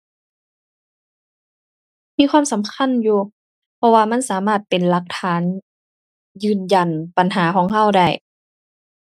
มีความสำคัญอยู่ เพราะว่ามันสามารถเป็นหลักฐาน ยืนยันปัญหาของเราได้